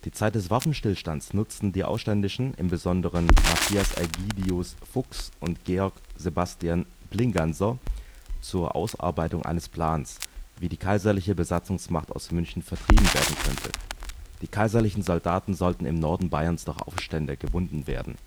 Zeit des Waffenstillstands nutzten die Aufständischen, im Besonderen Matthias Ägidius Fuchs und Georg Sebastian Plinganser, zur Ausarbeitung eines Plans, wie die kaiserliche Besatzungsmacht aus München vertrieben werden könnte. Die kaiserlichen Soldaten sollten im Norden Bayerns durch Aufstände gebunden werden